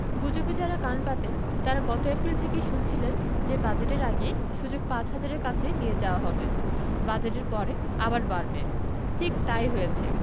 গুজবে যাঁরা কান পাতেন তাঁরা গত এপ্রিল থেকেই শুনছিলেন যে বাজেটের আগে সূচক ৫ হাজারের কাছে নিয়ে যাওয়া হবে বাজেটের পরে আবার বাড়বে ঠিক তা ই হয়েছে